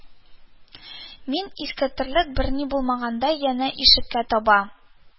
Мин, искитәрлек берни булмагандай, янә ишеккә таба